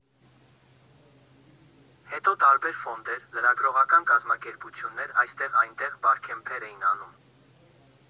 Հետո տարբեր ֆոնդեր, լրագրողական կազմակերպություններ այստեղ֊այնտեղ Բարքեմփեր էին անում։